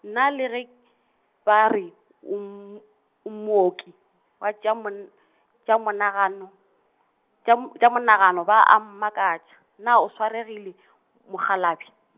nna le ge, ba re, o mm-, o mooki, wa tša mon-, tša monagano, tša m-, tša monagano ba a mmakatša, na o swaregile , mokgalabje?